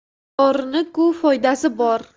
dorini ku foydasi bor